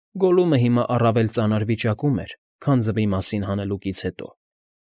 Գոլլումը հիմա առավել ծանր վիճակում էր, քան ձվի մասին հանելուկից հետո։